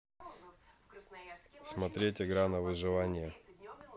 смотреть игра на выживание